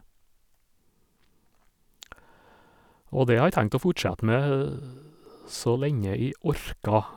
Og det har jeg tenkt å fortsette med så lenge jeg orker.